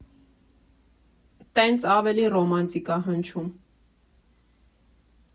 Տենց ավելի ռոմանտիկ ա հնչում։